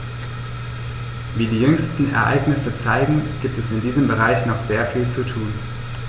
Wie die jüngsten Ereignisse zeigen, gibt es in diesem Bereich noch sehr viel zu tun.